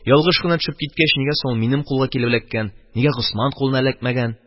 Ялгыш кына төшеп киткәч, нигә соң ул минем кулга килеп эләккән, нигә Госман кулына эләкмәгән?